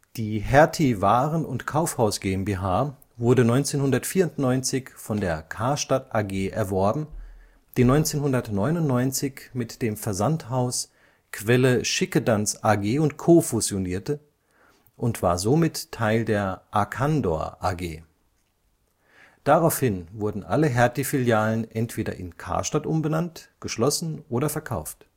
Die Hertie Waren - und Kaufhaus GmbH wurde 1994 von der „ Karstadt AG “erworben, die 1999 mit dem Versandhaus „ Quelle Schickedanz AG & Co “fusionierte, und war somit Teil der „ Arcandor AG “. Daraufhin wurden alle Hertie-Filialen entweder in „ Karstadt “umbenannt, geschlossen oder verkauft